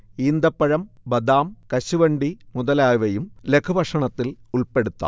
ഈന്തപ്പഴം, ബദാം, കശുവണ്ടി മുതലായവയും ലഘുഭക്ഷണത്തിൽ ഉൾപ്പെടുത്താം